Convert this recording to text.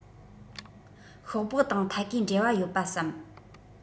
ཤོག སྦག དང ཐད ཀའི འབྲེལ བ ཡོད པ བསམ